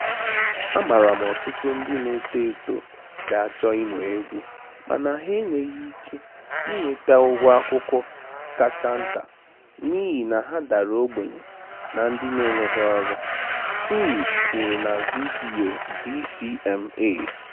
Amaara m ọtụtụ ndị na-eto eto ga-achọ ịmụ egwu mana ha enweghị ike ị nweta ụgwọ akwụkwọ kacha nta n'ihi na ha dara ogbenye na ndị na-enweghị ọrụ, Surri kwuru na vidiyo DCMA.